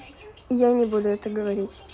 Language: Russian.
попку бы мне дала